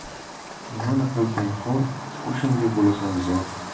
nimani qilsang xor o'shanga bo'lasan zor